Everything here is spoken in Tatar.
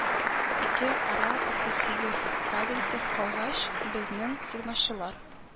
Ике ара утыз сигез кабельтов калгач, безнең сигналчылар